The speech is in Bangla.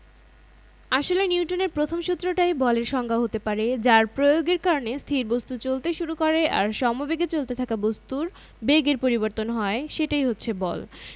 আসলে নিউটনের প্রথম সূত্রটাই বলের সংজ্ঞা হতে পারে যার প্রয়োগের কারণে স্থির বস্তু চলতে শুরু করে আর সমবেগে চলতে থাকা বস্তুর বেগের পরিবর্তন হয় সেটাই হচ্ছে বল